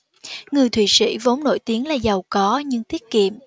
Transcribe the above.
người thụy sĩ vốn nổi tiếng là giàu có nhưng tiết kiệm